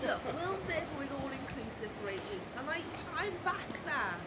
Look, Will's there for his all-inclusive for eight weeks, and I I back that!